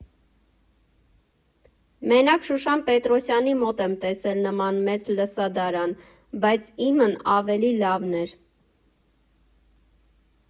Մենակ Շուշան Պետրոսյանի մոտ եմ տեսել նման մեծ լսադարան, բայց իմն ավելի լավն էր։